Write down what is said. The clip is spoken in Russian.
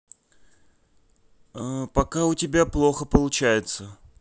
пока у тебя плохо получается